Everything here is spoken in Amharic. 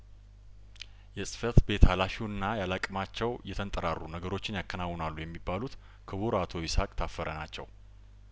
የጽፈት ቤት ሀላፊውና ያለአቅማቸው እየተን ጠራሩ ነገሮችን ያከና ውናሉ የሚባሉት ክቡር አቶ ይስሀቅ ታፈረ ናቸው